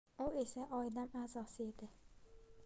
u esa oilam a'zosi edi